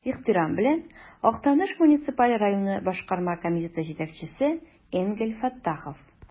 Ихтирам белән, Актаныш муниципаль районы Башкарма комитеты җитәкчесе Энгель Фәттахов.